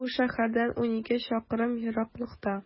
Бу шәһәрдән унике чакрым ераклыкта.